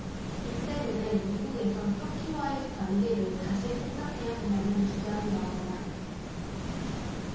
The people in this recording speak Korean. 이 때문에 미국에선 터키와의 관계를 다시 생각해야 한다는 주장이 나온다